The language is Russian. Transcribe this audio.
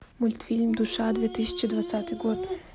мультфильм душа две тысячи двадцатый год